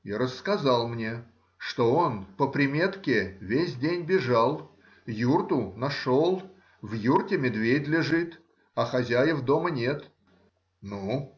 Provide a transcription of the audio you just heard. И рассказал мне, что он по приметке весь день бежал, юрту нашел — в юрте медведь лежит, а хозяев дома нет. — Ну?